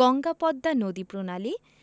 গঙ্গা পদ্মা নদীপ্রণালী